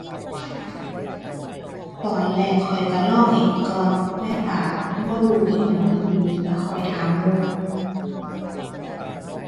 ตอนแรกข้อยก็ลองเองก่อน และถ้าบ่รู้อิหยังอีหลี ก็ค่อยถามหมู่